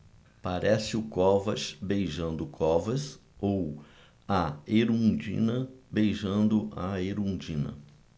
parece o covas beijando o covas ou a erundina beijando a erundina